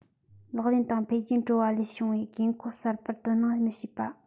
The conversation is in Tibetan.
ལག ལེན དང འཕེལ རྒྱས འགྲོ བ ལས བྱུང བའི དགོས མཁོ གསར པར དོ སྣང མི བྱེད པ